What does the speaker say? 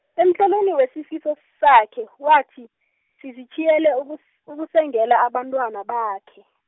emtlolweni wesifiso sakhe , wathi, sizitjhiyele ukus- ukusengela abantwana bakhe.